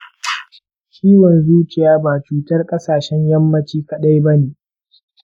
ciwon zuciya ba cutar kasashen yammaci kaɗai ba ne.